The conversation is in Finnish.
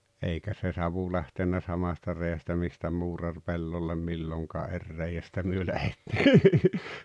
eikä se savu lähtenyt samasta reiästä mistä muurari pellolle milloinkaan eri reiästä me lähdettiin